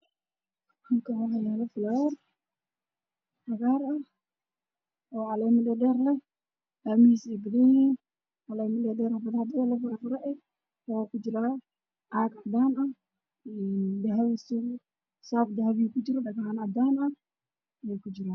Halkaan waxaa yaalo falaawar cagaar ah oo caleemo dhaadheer leh waxuuna kujiraa caag cadaan ah, saab dahabi kujiro iyo dhagax.